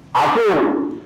A koo